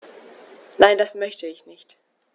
Nein, das möchte ich nicht.